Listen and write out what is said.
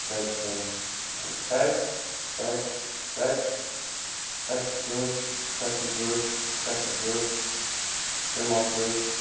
tvey túsund seks seks seks seksogtrýss seksogtrýss seksogtrýss fimmoghálvtrýss